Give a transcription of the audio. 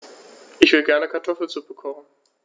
Ich will gerne Kartoffelsuppe kochen.